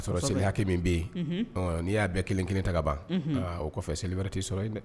O'a sɔrɔ selikɛ min bɛ yen n'i y'a bɛɛ kelen kelen ta ka ban o kɔfɛ seli wɛrɛ t'i sɔrɔ yen dɛ